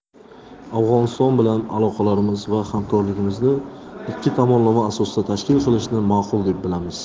afg'oniston bilan aloqalarimiz va hamkorligimizni ikki tomonlama asosda tashkil qilishni ma'qul deb bilamiz